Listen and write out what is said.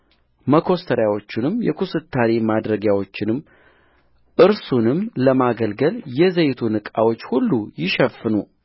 መኰስተሪያዎቹንም የኩስታሪ ማድረጊያዎቹንም እርሱንም ለማገልገል የዘይቱን ዕቃዎች ሁሉ ይሸፍኑ